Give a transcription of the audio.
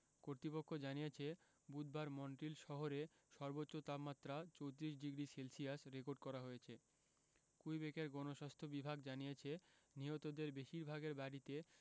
কর্তৃপক্ষ জানিয়েছে বুধবার মন্ট্রিল শহরে সর্বোচ্চ তাপমাত্রা ৩৪ ডিগ্রি সেলসিয়াস রেকর্ড করা হয়েছে কুইবেকের গণস্বাস্থ্য বিভাগ জানিয়েছে নিহতদের বেশিরভাগের বাড়িতে